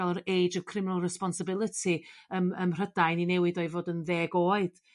galw'r age of criminal responsibility ym ym Mhrydain 'i newid o i fod yn ddeg oed.